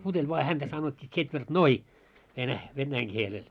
puteli vaan häntä sanottiin tsetvertnoi - venäjän kielellä